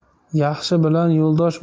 yaxshi bilan yo'ldosh